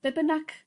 be bynnag...